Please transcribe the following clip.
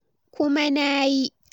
Kuma na yi.